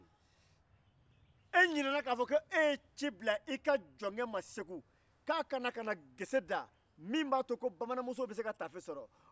e ɲinɛna ko i ye ci bila i ka jɔnkɛ ma segu k'a ka na gese da walasa bamananmusow ka taafe sɔrɔ